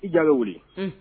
I ja bɛ wuli.